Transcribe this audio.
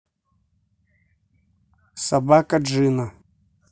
собака джина